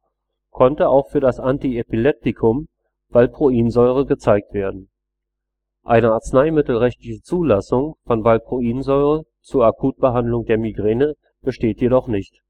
konnte auch für das Antiepileptikum Valproinsäure gezeigt werden. Eine arzneimittelrechtliche Zulassung von Valproinsäure zur Akutbehandlung der Migräne besteht jedoch nicht